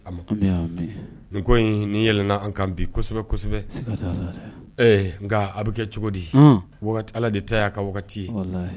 Ami ami ami nin ko in nin yɛlɛna an' kan bi kosɛb-kosɛbɛ sika t'a la dɛ ee nka a be kɛ cogodi ɔɔɔɔn Ala de ta y'a ka wagati ye walahi